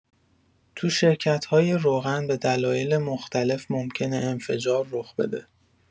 تو شرکت‌های روغن به دلایل مختلف ممکنه انفجار رخ بده.